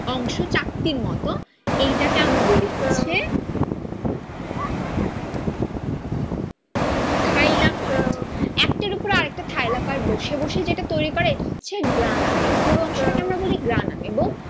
অংশ চাকতির মত এটা কে আমরা বলি হচ্ছে থাইলাকয়েড একটার উপর আরেকটা থাইলাকয়েড বসে বসে যেটা তৈরি করে এটা হচ্ছে গ্রানাম এ পুর অংশটাকে আমরা বলি গ্রানাম এবং